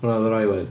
Hwnna oedd yr ail un.